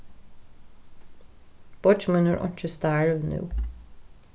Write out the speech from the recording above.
beiggi mín hevur einki starv nú